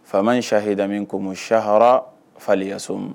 Faama ni sa hda min ko sihara falenliyaso